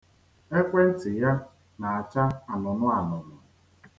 Ekwentị ya na-acha anụnụanụnụ.